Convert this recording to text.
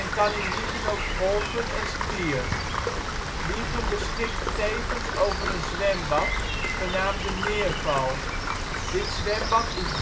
kan in Wijchen ook golfen of skiën. Wijchen beschikt tevens over een zwembad genaamd de Meerval, dit zwembad is